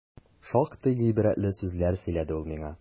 Шактый гыйбрәтле сүзләр сөйләде ул миңа.